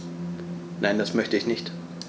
Nein, das möchte ich nicht.